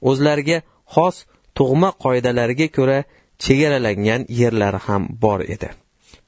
o'zlariga xos tug'ma qonunlariga ko'ra chegaralangan yerlari bor edi